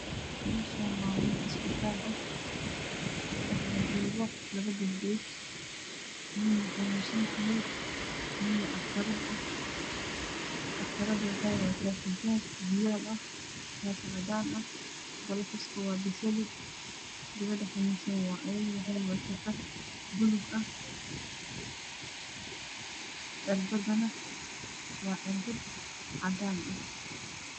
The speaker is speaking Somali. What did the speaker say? Meshan wamel isbital ah waxajoga Labogadhod mid wey xa nunsantahay midna dhaqtarad ahdhaqtarada waxey wadata xijab fiyolah shaticadan ah galofiskawabeseli gabadha xanusan waxey wadata xijaab dharbalug ah cirbada na waa carbide cadan ah